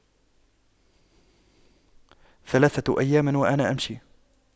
ثلاثة أيام وأنا أمشي